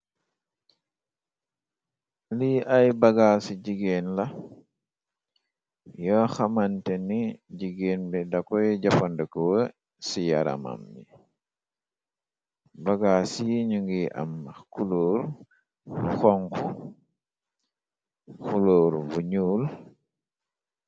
Li ay bagaasi jigéen la yo xamanteni jigéen bi dakoy jafandikowé ci yaramam bagaas yi ñu ngi am kulor bu xonxu kulor bu ñuul.